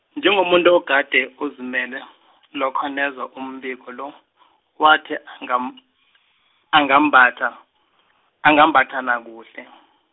njengomuntu ogade ozimele , lokha nezwa umbiko lo , wathe anga- , angambatha, angambatha nakuhle .